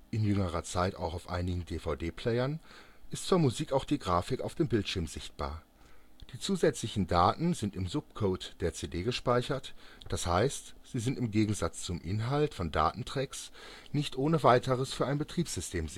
in jüngerer Zeit auch auf einigen DVD-Playern) ist zur Musik auch die Grafik auf dem Bildschirm sichtbar. Die zusätzlichen Daten sind im Subcode der CD gespeichert, d. h. sie sind im Gegensatz zum Inhalt von Datentracks nicht ohne Weiteres für ein Betriebssystem